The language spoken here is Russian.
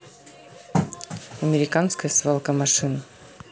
американская свалка машин